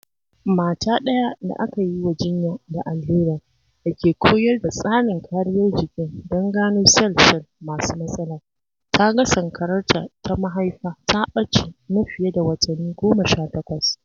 Mata ɗaya da aka yi wa jinya da allurar, da ke koyar da tsarin kariyar jikin don gano sel-sel masu matsalar, ta ga sankararta ta mahaifa ta ɓace na fiye da watanni 18.